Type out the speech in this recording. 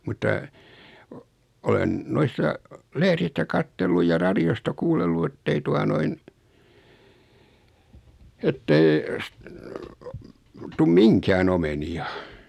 mutta - olen noissa lehdistä katsellut ja radiosta kuunnellut että ei tuota noin että ei - tule mihinkään omenia